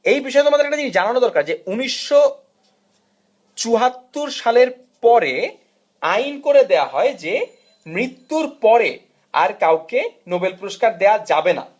এই বিষয়ে তোমাদেরকে একটা জিনিস জানানো দরকার যে হাজার 974 সালের পরে আইন করে দেয়া হয় যে মৃত্যুর পরে আর কাউকে নোবেল পুরস্কার দেয়া যাবে না